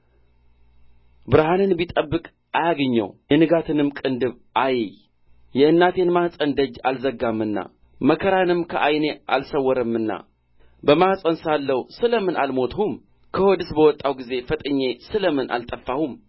ብርሃንን ቢጠባበቅ አያግኘው የንጋትንም ቅንድብ አይይ የእናቴን ማኅፀን ደጅ አልዘጋምና መከራንም ከዓይኔ አልሰወረምና በማኅፀን ሳለሁ ስለ ምን አልሞትሁም ከሆድስ በወጣሁ ጊዜ ፈጥኜ ስለ ምን አልጠፋሁም